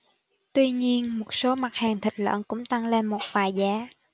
tuy nhiên một số mặt hàng thịt lợn cũng tăng lên một vài giá